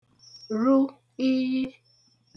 ru iyi